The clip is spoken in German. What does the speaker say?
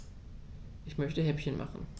Ich möchte Häppchen machen.